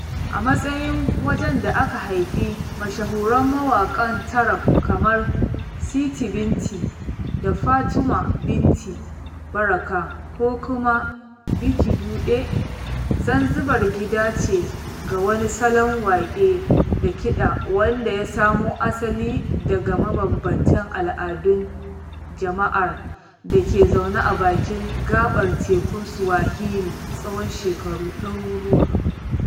A matsayin wajen da aka haifi mashahuran mawaƙan taarab kamar Siti Binti da Fatuma Binti Baraka ko kuma Bi Kidude, Zanzibar gida ce ga wani salon waƙa da kiɗa wanda ya samo asali daga mabambamtan al'adun jama'ar da ke zaune a bakin gaɓar tekun Swahili tsawon shakaru ɗaruruwa.